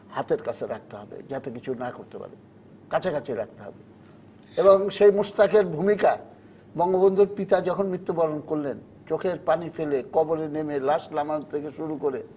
হাতের কাছে রাখতে হবে যাতে কিছু না করতে পারে কাছাকাছি রাখতে হবে এবং সে মোশতাকের ভূমিকায় বঙ্গবন্ধুর পিতা যখন মৃত্যু বরণ করলেন চোখের পানি ফেলে কবরে নেমে লাশ নামানোর থেকে শুরু করে